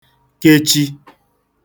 kechi